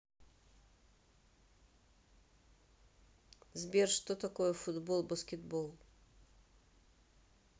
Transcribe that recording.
сбер что такое футбол баскетбол